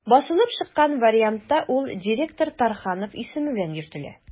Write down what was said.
Басылып чыккан вариантта ул «директор Тарханов» исеме белән йөртелә.